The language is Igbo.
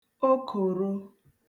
okòro